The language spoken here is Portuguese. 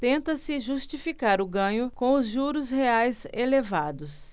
tenta-se justificar o ganho com os juros reais elevados